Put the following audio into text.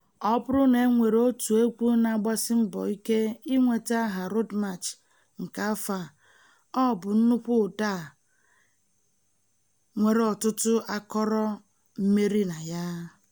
Ọ bụrụ na e nwere otu egwu na-agbasi mbọ ike inweta aha Road March nke afọ a, ọ bụ nnukwu ụda a nwere ọtụtụ akọrọ mmeri na ya: